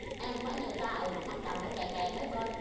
em không phải như người ta ừ bắt chồng phải kè kè kế bên